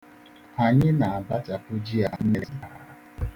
Anyị na-abachapụ ji a nne zụtara.